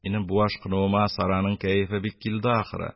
Минем бу ашкынуыма Сараның кәефе бик килде, ахры: